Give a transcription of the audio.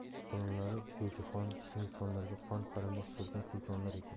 bobokalonlari jo'jixon chingizxonlarga qon qarindosh bo'lgan sultonlar ekan